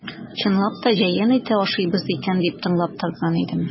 Чынлап та җәен ите ашыйбыз икән дип тыңлап торган идем.